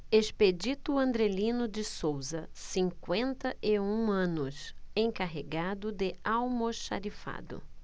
expedito andrelino de souza cinquenta e um anos encarregado de almoxarifado